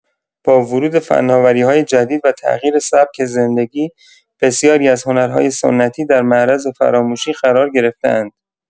با ورود فناوری‌های جدید و تغییر سبک زندگی، بسیاری از هنرهای سنتی در معرض فراموشی قرار گرفته‌اند.